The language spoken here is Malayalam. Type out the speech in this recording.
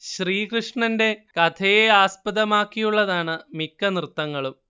ശ്രീകൃഷ്ണന്റെ കഥയെ ആസ്പദമാക്കിയുള്ളതാണ് മിക്ക നൃത്തങ്ങളും